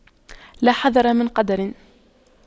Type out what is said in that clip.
لا حذر من قدر